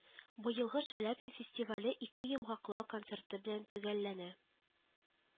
Быелгы Шаляпин фестивале ике Йомгаклау концерты белән төгәлләнә